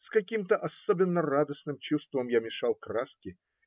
С каким-то особенным радостным чувством я мешал краски.